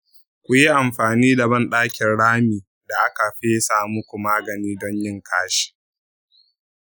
ku yi amfani da banɗakin rami da aka fesa muku magani don yin kashi